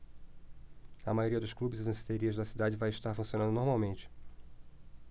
a maioria dos clubes e danceterias da cidade vai estar funcionando normalmente